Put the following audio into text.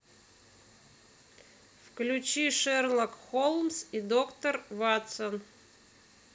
включи шерлок холмс и доктор ватсон